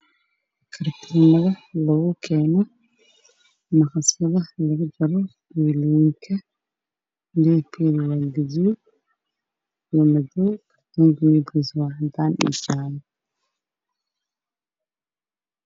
Waa maqas ku jira kartoon